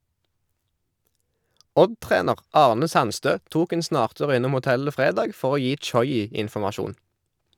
Odd-trener Arne Sandstø tok en snartur innom hotellet fredag for å gi Tchoyi informasjon.